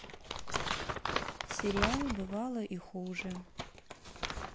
сериал бывало и хуже